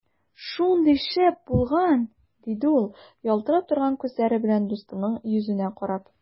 Шундый шәп булган! - диде ул ялтырап торган кара күзләре белән дусының йөзенә карап.